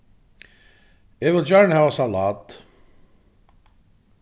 eg vil gjarna hava salat